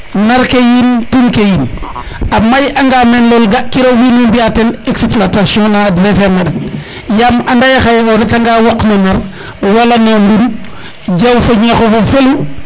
nar ke yiin tun ke yiin a may anga meen lool ga kiro wiin we mbiya ten exploitation na refer na a ndat yaam anda ye xaye o ret nga woq no nar wala no ndun jaw foñeexof o felu